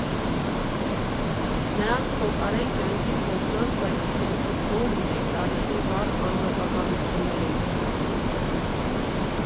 Նրանց փոխարեն կյանքից հոգնած, բայց իրենցից գոհ միջին տարիքի վառ անհատականություններ էին»։